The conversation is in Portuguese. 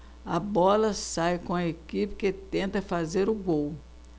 a bola sai com a equipe que tenta fazer o gol